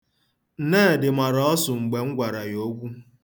Nnedị mara ọsụ mgbe m gwara ya okwu.